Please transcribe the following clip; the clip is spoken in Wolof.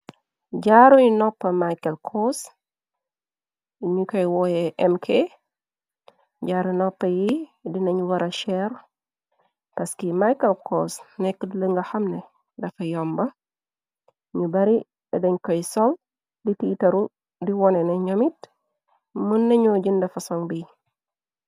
Jaaruy nopp michal cous, ñu koy wooye mk. Jaaru noppa yi, dinañu wara cheere, paski, michael cous nekkut lënga xamne dafa yomba. Nñu bari de nañ koy sol di tiitaru. Di wone ne ñomit mën nañoo jënda fa soŋ bi.